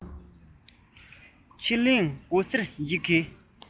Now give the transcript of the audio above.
ཕྱི གླིང མགོ སེར ཞིག གིས